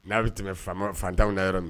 N'a bɛ tɛmɛ fantanw na yɔrɔ min